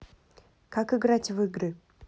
как играть в игры